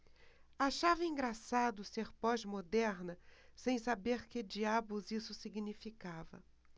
achava engraçado ser pós-moderna sem saber que diabos isso significava